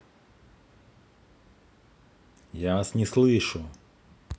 я вас не слышу